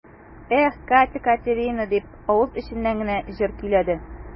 Эх, Катя-Катерина дип, авыз эченнән генә җыр көйләде.